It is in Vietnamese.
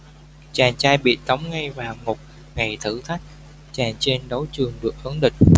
chàng trai bị tống ngay vào ngục ngày thử thách chàng trên đấu trường được ấn định